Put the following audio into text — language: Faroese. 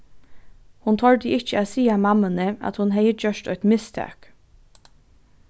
hon tordi ikki at siga mammuni at hon hevði gjørt eitt mistak